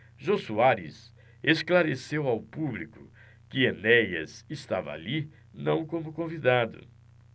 jô soares esclareceu ao público que enéas estava ali não como convidado